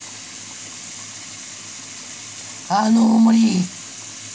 а ну умри